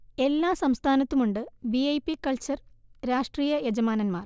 എല്ലാ സംസ്ഥാനത്തുമുണ്ട് V I P culture രാഷ്ട്രീയ യജമാനൻമാർ